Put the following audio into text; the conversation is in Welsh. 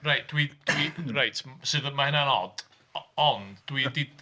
Reit, dwi... dwi... reit sydd- yy mae hynna'n od ond dwi 'di...